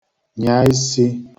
-nyà isi